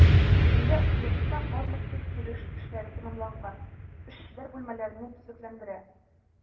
Бүгенгә объектта барлык төп төзелеш эшләре тәмамланган, эшчеләр бүлмәләрне төзекләндерә.